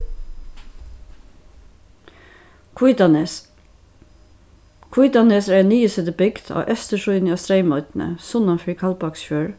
hvítanes hvítanes er ein niðursetubygd á eystursíðuni á streymoynni sunnanfyri kaldbaksfjørð